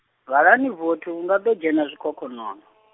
valani vothi hu ngado dzhena zwikhokhonono.